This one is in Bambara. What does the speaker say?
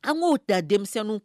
An k'o ta denmisɛnninw